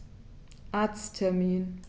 Arzttermin